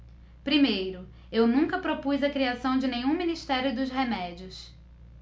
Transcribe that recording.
primeiro eu nunca propus a criação de nenhum ministério dos remédios